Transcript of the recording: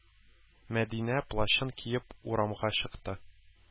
Мәдинә плащын киеп урамга чыкты.